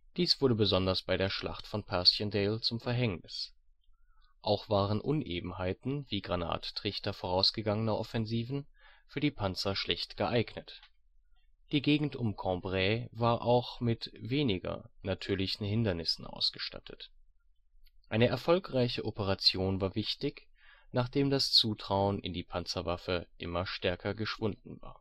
Dies wurde besonders bei der Schlacht von Passchendaele zum Verhängnis. Auch waren Unebenheiten, wie Granattrichter vorausgegangener Offensiven, für die Panzer schlecht geeignet. Die Gegend um Cambrai war auch mit weniger natürlichen Hindernissen ausgestattet (Flüsse, Wurzeln u.a.). Eine erfolgreiche Operation war wichtig, nachdem das Zutrauen in die Panzerwaffe immer stärker geschwunden